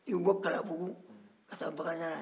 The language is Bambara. i bɛ bɔ kalabugu ka taa bakarijanna